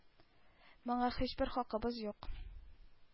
Моңа һичбер хакыбыз юк.